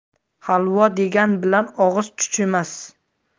halvo degan bilan og'iz chuchimas